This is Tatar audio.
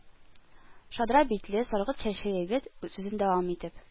Шадра битле, саргылт чәчле егет, сүзен дәвам итеп: